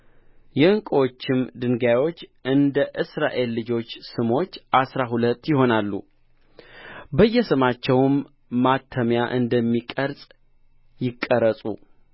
የዕንቈቹም ድንጋዮች እንደ እስራኤል ልጆች ስሞች አሥራ ሁለት ይሆናሉ በየስማቸውም ማተሚያ እንደሚቀረጽ ይቀረጹ